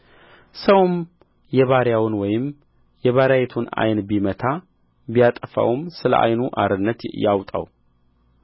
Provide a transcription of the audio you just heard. ሰውም የባሪያውን ወይም የባሪይይቱን ዓይን ቢመታ ቢያጠፋውም ስለ ዓይኑ አርነት ያውጣው